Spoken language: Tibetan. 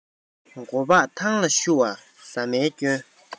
མགོ སྤགས ཐང ལ བཤུ བ ཟ མའི སྐྱོན